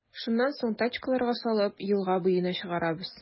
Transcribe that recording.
Шуннан соң, тачкаларга салып, елга буена чыгарабыз.